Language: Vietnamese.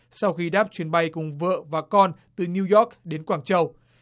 sau khi đáp chuyến bay cùng vợ và con từ niu doóc đến quảng châu